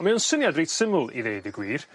A mae o'n syniad reit syml i ddeud y gwir.